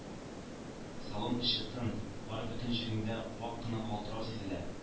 Салон эче тын, бары бөтен җирендә вак кына калтырау сизелә